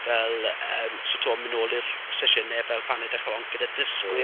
Fel yym, so tibod mynd nôl i'r sesiynau fel Paned a Chlonc gyda dysgwyr... ia.